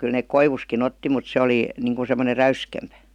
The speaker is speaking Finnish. kyllä ne koivustakin otti mutta se oli niin kuin semmoinen räyskempi